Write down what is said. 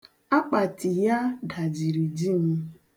Akpati ya dajiri ji m.